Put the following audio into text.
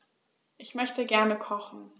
Ich möchte gerne kochen.